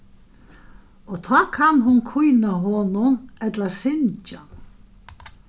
og tá kann hon kína honum ella syngja